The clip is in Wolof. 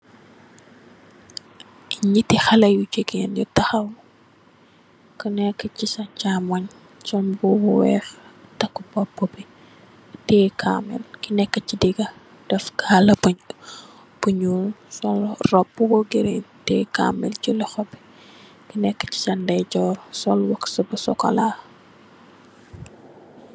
Ñatti xaleh yu gigeen yu taxaw kuneka si sen chamoñ bu wekh tak bopubi tiyeh kabamil kuneka si diga deff cala bu ñul sol robu bu green tiyeh kabamil si loxol kuneka si sen ndeyjorr sol waxsi bu socola.